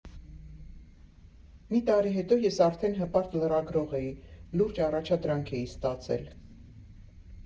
Մի տարի հետո ես արդեն հպարտ լրագրող էի, լուրջ առաջադրանք էի ստացել.